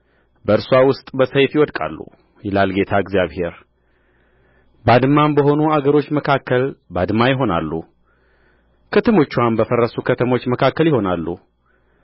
በእርስዋ ውስጥ በሰይፍ ይወድቃሉ ይላል ጌታ እግዚአብሔር ባድማም በሆኑ አገሮች መካከል ባድማ ይሆናሉ ከተሞችዋም በፈረሱ ከተሞች መካከል ይሆናሉ